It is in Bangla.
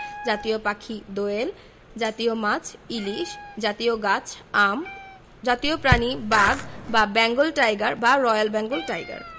জাতীয় পাখিঃ দোয়েল জাতীয় মাছঃ ইলিশ জাতীয় গাছঃ আম জাতীয় প্রাণীঃ বাঘ বা বেঙ্গল টাইগার বা রয়েল বেঙ্গল টাইগার